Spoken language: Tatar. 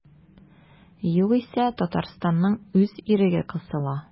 Югыйсә Татарстанның үз иреге кысыла.